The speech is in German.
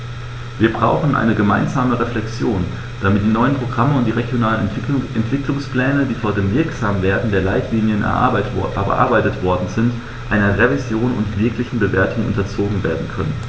Wir brauchen eine gemeinsame Reflexion, damit die neuen Programme und die regionalen Entwicklungspläne, die vor dem Wirksamwerden der Leitlinien erarbeitet worden sind, einer Revision und wirklichen Bewertung unterzogen werden können.